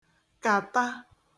-kàta